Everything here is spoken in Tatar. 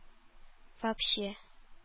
Вообще